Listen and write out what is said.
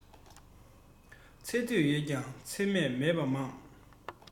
ཚེ སྟོད ཡོད ཀྱང ཚེ སྨད མེད པ མང